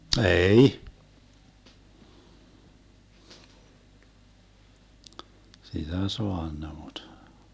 ei sitä saanut mutta